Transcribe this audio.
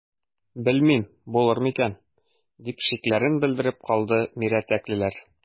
Белмим, булыр микән,– дип шикләрен белдереп калды мирәтәклеләр.